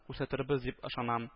Күрсәтербез дип ышанам